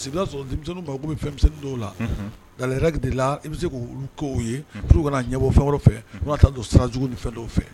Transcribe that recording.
' sɔrɔ denmisɛnnin bɛ dɔw la da la i bɛ se k' olu ko ye kana ɲɛbɔ fɛn yɔrɔ fɛ donj jugu ni fɛ dɔw fɛ